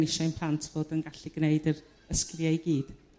ni isiau'n plant fod yn gallu g'neud yr y sgilie i gyd.